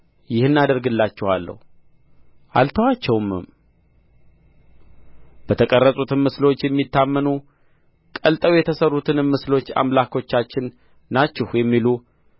ይህን አደርግላቸዋለሁ አልተዋቸውምም በተቀረጹትም ምስሎች የሚታመኑ ቀልጠው የተሠሩትንም ምስሎች አምላኮቻችን ናችሁ የሚሉ